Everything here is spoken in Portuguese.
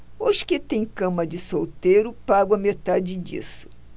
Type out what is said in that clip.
os que têm cama de solteiro pagam a metade disso